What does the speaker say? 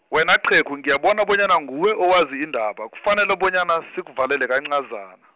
wena qhegu ngiyabona bonyana nguwe owazi indaba, kufanele bonyana sikuvalele kancazana.